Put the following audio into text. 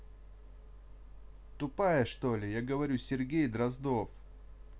тупая что ли я говорю сергей дроздов